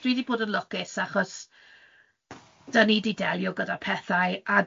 dwi 'di bod yn lwcus achos 'dan ni 'di delio gyda pethau